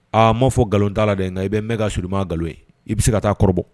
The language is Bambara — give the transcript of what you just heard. Aa ma fɔ nkalon' la dɛ nka i bɛ mɛn ka surunma nkalon ye i bɛ se ka taa kɔrɔ bɔ